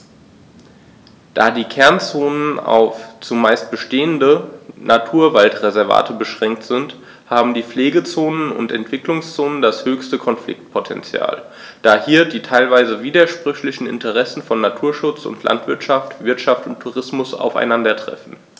Da die Kernzonen auf – zumeist bestehende – Naturwaldreservate beschränkt sind, haben die Pflegezonen und Entwicklungszonen das höchste Konfliktpotential, da hier die teilweise widersprüchlichen Interessen von Naturschutz und Landwirtschaft, Wirtschaft und Tourismus aufeinandertreffen.